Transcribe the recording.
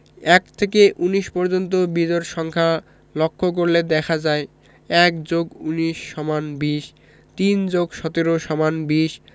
১ থেকে ১৯ পর্যন্ত বিজোড় সংখ্যা লক্ষ করলে দেখা যায় ১+১৯=২০ ৩+১৭=২০